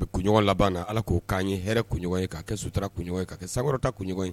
Kunɲɔgɔn labanana ala k'o k'an ye hɛrɛ kunɲɔgɔn ye ka kɛ sutura kun ye ka kɛ sakɔrɔta kunɲɔgɔn ye